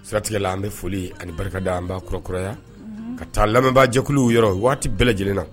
O siratigɛ la, an bɛ foli ani barikada an b'a kura kuraya; unhun, ka taa lamɛnbaajɛkuluw yɔrɔ waati bɛɛ lajɛlen na.